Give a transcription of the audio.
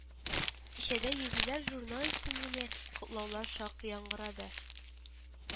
Кичәдә юбиляр журнал исеменә котлаулар шактый яңгырады